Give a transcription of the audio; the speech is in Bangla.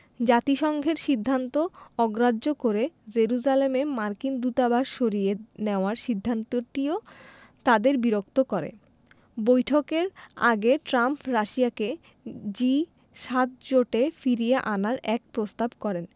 জাতিসংঘের সিদ্ধান্ত অগ্রাহ্য করে জেরুজালেমে মার্কিন দূতাবাস সরিয়ে নেওয়ার সিদ্ধান্তটিও তাদের বিরক্ত করে বৈঠকের আগে ট্রাম্প রাশিয়াকে জি ৭ জোটে ফিরিয়ে আনার এক প্রস্তাব করেন